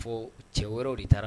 Fo cɛ wɛrɛw de taara